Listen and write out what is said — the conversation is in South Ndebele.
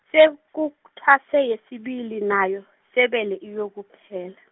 sekuthwase yesibili nayo, sebele iyokuphela.